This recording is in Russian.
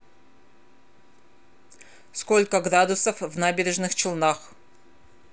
сколько градусов в набережных челнах